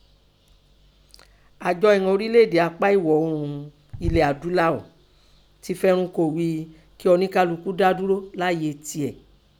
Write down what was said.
Àjọ ìnan ọrílẹ̀ èdè apá ẹ̀wọ̀ oòrùn elẹ̀ adúláọ̀ ti fẹrun kò ghíi kín ọńkálukú dá dúró láàyè tiẹ̀.